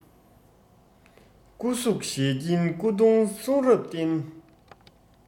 སྐུ གཟུགས ཞལ སྐྱིན སྐུ གདུང གསུང རབ རྟེན